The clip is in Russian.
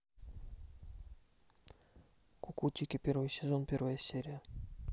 кукутики первый сезон первая серия